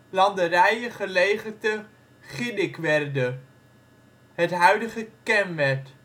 landerijen gelegen te Chinicwirde, het huidige Kenwerd